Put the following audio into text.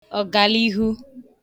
ọ̀gàlihu